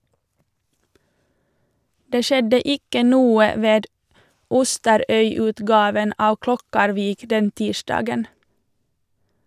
Det skjedde ikke noe ved Osterøyutgaven av Klokkarvik den tirsdagen.